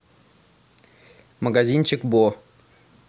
магазинчик бо